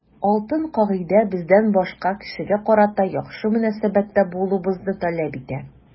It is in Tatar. Алтын кагыйдә бездән башка кешегә карата яхшы мөнәсәбәттә булуыбызны таләп итә.